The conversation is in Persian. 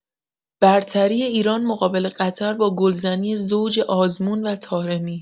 برتری ایران مقابل قطر با گلزنی زوج آزمون و طارمی